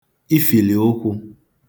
ifìlì ụkwụ̄